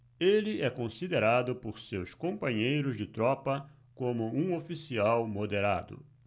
ele é considerado por seus companheiros de tropa como um oficial moderado